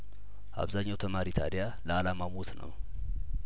አብዛኛው ተማሪ ታዲያ ለአላማው ሙት ነው